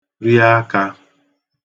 ri akā